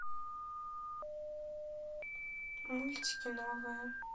мультики новые